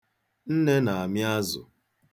Nne na-amị azụ.